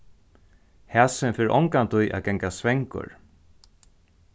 hasin fer ongantíð at ganga svangur